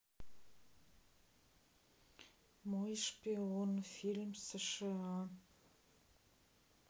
мой шпион фильм сша